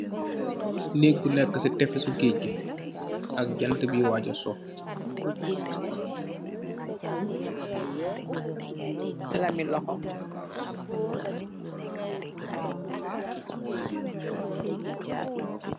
Neek bu nekë si tefesi geege gi, ak jentë buiy waaja so.